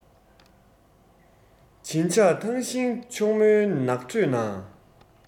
བྱིན ཆགས ཐང ཤིང ཕྱུག མོའི ནགས ཁྲོད ན